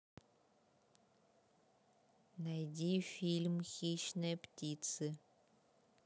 найди фильм хищные птицы